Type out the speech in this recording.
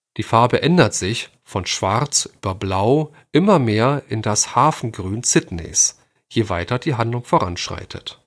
Die Farbe ändert sich von Schwarz über Blau immer mehr in das Hafengrün Sydneys, je weiter die Handlung voranschreitet